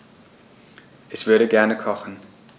Ich würde gerne kochen.